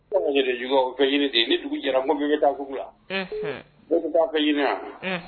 o bɛ ɲini de ni dugu jɛra nko bɛɛ bɛ taa sugu la, unhun, nko bɛɛ bɛ taa fɛn ɲini na? Unhun